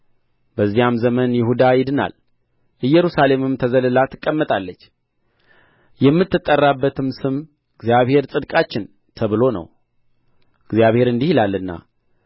በዚያም ዘመን ይሁዳ ይድናል ኢየሩሳሌምም ተዘልላ ትቀመጣለች የምትጠራበትም ስም እግዚአብሔር ጽድቃችን ተብሎ ነው እግዚአብሔር እንዲህ ይላልና